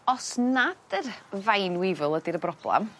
os nad yr vine weevil ydi'r broblam